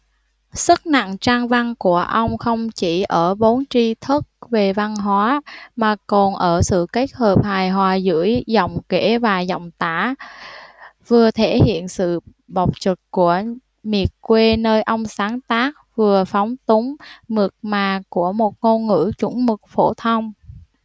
sức nặng trang văn của ông không chỉ ở vốn tri thức về văn hóa mà còn ở sự kết hợp hài hòa giữa giọng kể và giọng tả vừa thể hiện sự bộc trực của miệt quê nơi ông sáng tác vừa phóng túng mượt mà của một ngôn ngữ chuẩn mực phổ thông